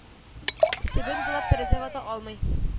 Чебен дулап тәрәзә вата алмый